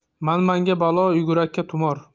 manmanga balo yugurukka tumor